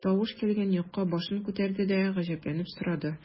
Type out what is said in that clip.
Тавыш килгән якка башын күтәрде дә, гаҗәпләнеп сорады.